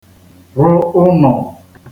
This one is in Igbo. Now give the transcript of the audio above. rụ ụnọ